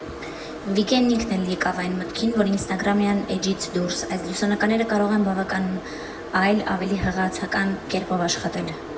Վիգենն ինքն էլ եկավ այն մտքին, որ ինստագրամյան էջից դուրս այս լուսանկարները կարող են բավական այլ, ավելի հղացական կերպով աշխատել։